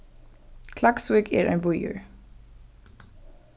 klaksvík er ein býur